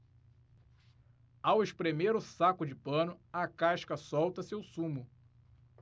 ao espremer o saco de pano a casca solta seu sumo